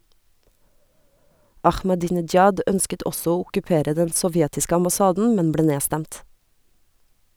Ahmadinejad ønsket også å okkupere den sovjetiske ambassaden, men ble nedstemt.